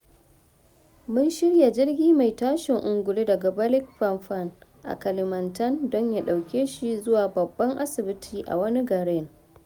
Mun shirya jirgi mai tashin angulu daga Balikpapan a Kalimantan don ya dauke shi zuwa babban asibiti a wani garin.